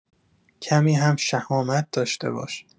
کمی هم شهامت داشته باش.